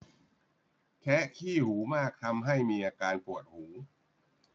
แคะขี้หูมากทำให้มีอาการปวดหู